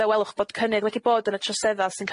Fel welwch bod cynnydd wedi bod yn y trosedda' sy'n